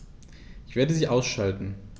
Ich werde sie ausschalten